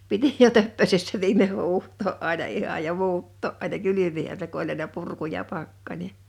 piti jo töppösessä viimein huuhtoa aina ihan ja muuttaa aina kylmihän se kun oli aina purku ja pakkanen